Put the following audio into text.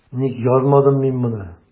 Ник яздым мин моны?